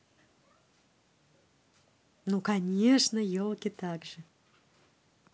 ну конечно елки также